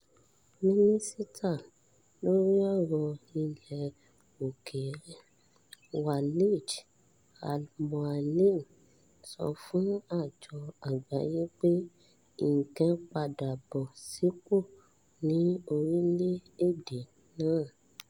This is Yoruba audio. Mínísítà loŕi ọ̀rọ̀ ilẹ̀-òkèèrè, Walid al-Moualem, sọ fún àjọ Àgbáyé pé nǹkan padà bọ̀ sípò ní orílẹ̀-èdè náà.